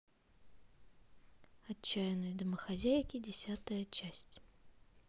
отчаянные домохозяйки десятая часть